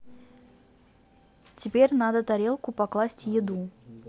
теперь надо тарелку покласть еду